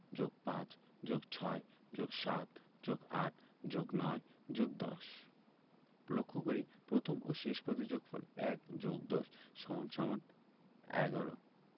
+৫+৬+৭+৮+৯+১০ লক্ষ করি প্রথম ও শেষ পদের যোগফল ১+১০=১ ১